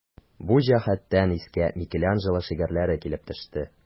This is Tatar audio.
Бу җәһәттән искә Микеланджело шигырьләре килеп төште.